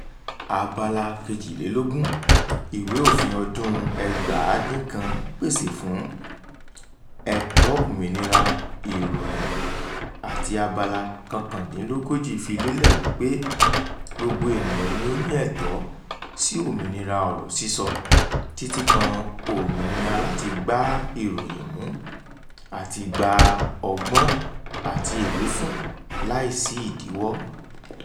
Abala 22 ìwé òfin ọdún 1999 pèsè fún ẹ̀tọ́ òmìnira ìròyìn àti Abala 39 fi lélẹ̀ wípé "gbogbo ènìyàn ni ó ní ẹ̀tọ́ sí òmìnira ọ̀rọ̀ sísọ, títí kan òmìnira láti gbá ìròyìn mú àti gba ọgbọ́n àti ìwífun láì sí ìdíwọ́..."